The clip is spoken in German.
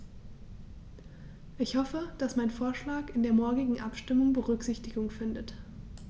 Ich hoffe, dass mein Vorschlag in der morgigen Abstimmung Berücksichtigung findet.